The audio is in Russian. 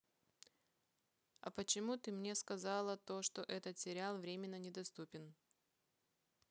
а почему ты мне сказала то что этот сериал временно недоступен